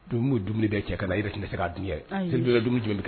Don dumuni bɛ cɛ ka na i yɛrɛ tun se'a dun seli dumuni jumɛn kɛ